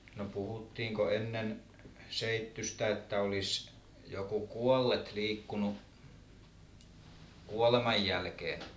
no puhuttiinko ennen seittyistä että olisi joku kuollut liikkunut kuoleman jälkeen